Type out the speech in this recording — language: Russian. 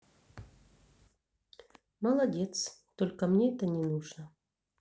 молодец только мне это не нужно